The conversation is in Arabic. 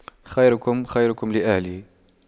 خيركم خيركم لأهله